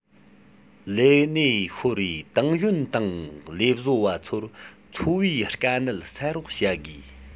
ལས གནས ཤོར བའི ཏང ཡོན དང ལས བཟོ པ ཚོར འཚོ བའི དཀའ ངལ སེལ རོགས བྱ དགོས